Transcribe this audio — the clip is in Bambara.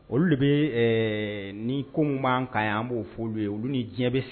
Olu de bɛ ɛɛ ni ko min b'an kan yan an b'o f'olu ye olu ni diɲɛ bɛ